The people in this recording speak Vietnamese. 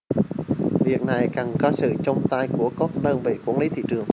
việc này cần có sự chung tay của các đơn vị quản lý thị trường